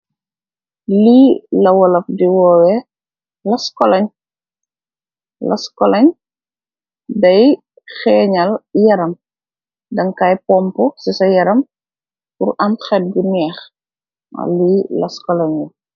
Li la wolof di woweh liskolun liskolun bui henyal yaram dang kai pompi si sah yaram pul am het bu nekh wa lee liskolen la.